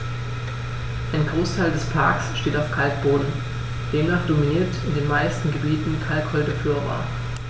Ein Großteil des Parks steht auf Kalkboden, demnach dominiert in den meisten Gebieten kalkholde Flora.